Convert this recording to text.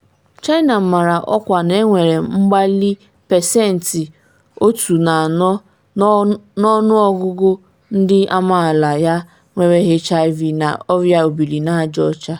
China mara ọkwa na-enwere mgbali 14% n’ọnụọgụ ndị amaala ya nwere HIV na Ọrịa obiri n’aja ọcha.